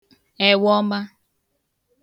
ewọma